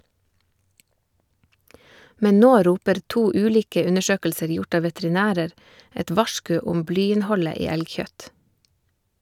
Men nå roper to ulike undersøkelser gjort av veterinærer et varsku om blyinnholdet i elgkjøtt.